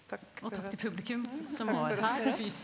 takk .